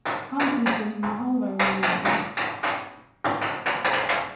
handtikin við hálvari millión